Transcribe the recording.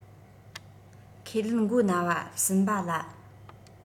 ཁས ལེན མགོ ན བ སྲུན པ ལ